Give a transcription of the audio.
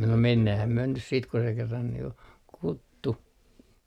no 'mennäähhäm myö nys siit ko se 'kerran jo, "kuttu.